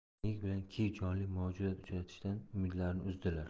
nig bilan kiv jonli mavjudot uchratishdan umidlarini uzdilar